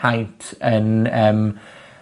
haint yn yym,